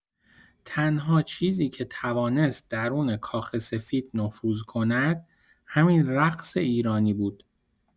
تنها چیزی که توانست درون‌کاخ سفید نفوذ کند، همین رقص ایرانی بود!